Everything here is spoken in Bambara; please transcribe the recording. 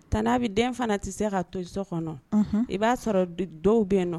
Tan' a bɛ den fana tɛ se ka toso kɔnɔ i b'a sɔrɔ dɔw bɛ nɔ